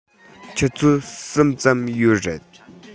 ཆུ ཚོད གསུམ ཙམ ཡོད རེད